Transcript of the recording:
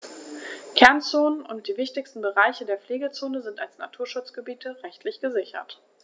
Kernzonen und die wichtigsten Bereiche der Pflegezone sind als Naturschutzgebiete rechtlich gesichert.